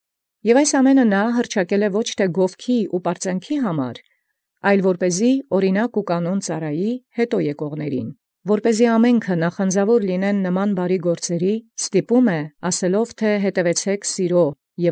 Եւ զայս ամենայն աւետարանեալ ոչ ի պարծանս գովութեան, այլ զի աւրինակ և կանոն զկնի եկելոցն պաշտիցի. որպէս ի նոյն իսկ զի բարեաց գործոց նախանձաւոր լինել ամենեցուն ստիպէ ասելովն, թէ «Զհե՛տ երթայք սիրոյ. և։